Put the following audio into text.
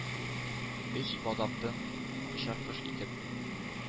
— өч бадамдын очар кош итеп,